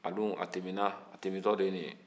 a dun a tɛmɛna a tɛmɛtɔ de ye nin ye